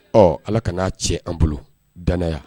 Ɔ Ala kan'a tiɲɛ an bolo danaya